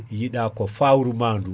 yiɗa ko fawru ma ɗu